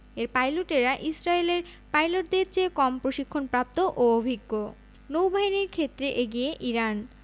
এর পাইলটেরা ইসরায়েলের পাইলটদের চেয়ে কম প্রশিক্ষণপ্রাপ্ত ও অভিজ্ঞ নৌবাহিনীর ক্ষেত্রে এগিয়ে ইরান